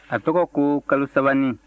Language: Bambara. a tɔgɔ ko kalosabanin